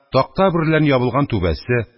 Такта берлән ябылган түбәсе,